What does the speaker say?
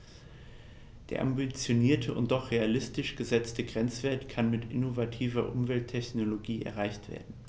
Der ambitionierte und doch realistisch gesetzte Grenzwert kann mit innovativer Umwelttechnologie erreicht werden.